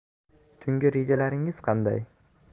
tungi rejalaringiz qanday